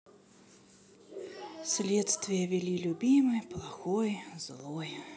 следствие вели любимый плохой злой